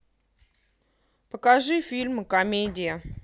покажи фильмы комедия